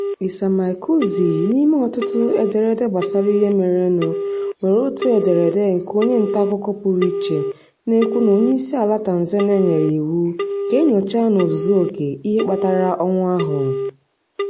Issa Michuzi, n'ime ọtụtụ ederede gbasara ihe merenụ, nwere otu ederede nke onye ntaakụkọ pụrụ iche, na-ekwu na Onyeisiala Tanzania nyere iwu ka e nyochaa n'ozuzuoke ihe kpatara ọnwụ ahụ.